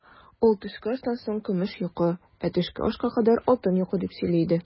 Ул, төшке аштан соң көмеш йокы, ә төшке ашка кадәр алтын йокы, дип сөйли иде.